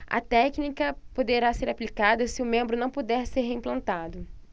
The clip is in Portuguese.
a técnica poderá ser aplicada se o membro não puder ser reimplantado